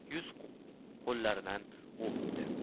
yuz ko'zlaridan o'pdi